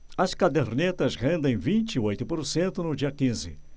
as cadernetas rendem vinte e oito por cento no dia quinze